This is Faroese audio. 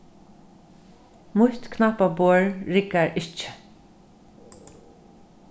mítt knappaborð riggar ikki